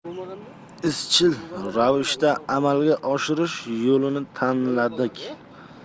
izchil ravishda amalga oshirish yo'lini tanladik